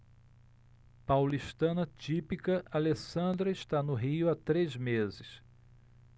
paulistana típica alessandra está no rio há três meses